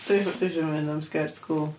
Dw- dwi isio mynd am sgert cwl.